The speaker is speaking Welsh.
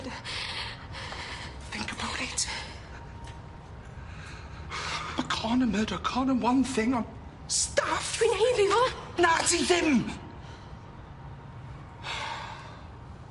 Think about it. Ma' con yn myrdero con yn one thing on' staff! Dwi'n haeddu fo! Na, ti ddim!